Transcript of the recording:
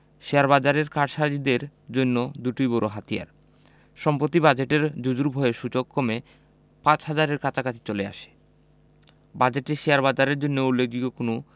শেয়ারবাজারের কারসাজিকারীদের জন্য দুটোই বড় হাতিয়ার সম্প্রতি বাজেটের জুজুর ভয়ে সূচক কমে ৫ হাজারের কাছাকাছি চলে আসে বাজেটে শেয়ারবাজারের জন্য উল্লেখযোগ্য কোনো